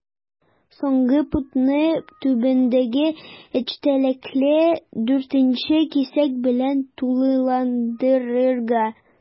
Соңгы пунктны түбәндәге эчтәлекле 4 нче кисәк белән тулыландырырга.